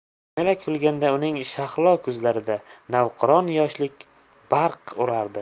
jamila kulganda uning shahlo ko'zlarida navqiron yoshlik barq urardi